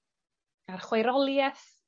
A'r chwaerolieth,